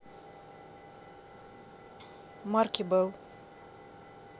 марки bell